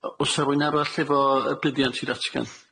o- o'sa rywun arall efo y- buddiant i ddatgan?